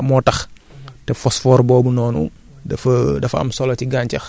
dafa bu ñu waxee phosphate phosphore :fa bi ci nekk moo moo tax